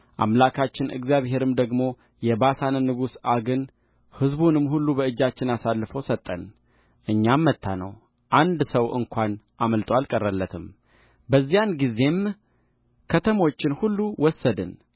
አምላካችን እግዚአብሔርም ደግሞ የባሳንን ንጉሥ ዐግን ሕዝቡንም ሁሉ በእጃችን አሳልፎ ሰጠን እኛም መታነው አንድ ሰው እንኳ አምልጦ አልቀረለትምበዚያን ጊዜም ከተሞቹን ሁሉ ወሰድን